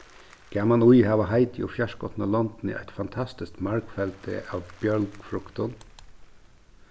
gaman í hava heitu og fjarskotnu londini eitt fantastiskt margfeldi av bjølgfruktum